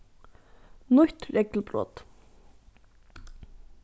nýtt reglubrot